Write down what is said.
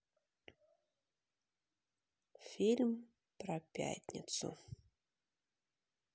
фильм про пятницу